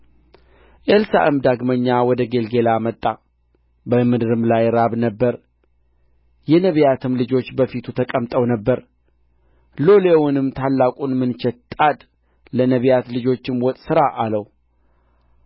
ጠራትም ወደ እርሱም በገባች ጊዜ ልጅሽን አንሥተሽ ውሰጂ አላት ገብታም በእግሩ አጠገብ ወደቀች በምድርም ላይ ተደፋች ልጅዋንም አንሥታ ወጣች